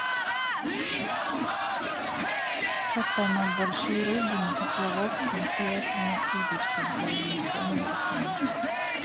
как поймать большую рыбу на поплывок самостоятельная удочка сделана sony руками